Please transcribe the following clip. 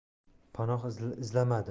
panoh izlamadim